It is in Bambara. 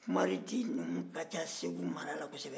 kumare numu ka can segu mara la kosɛbɛ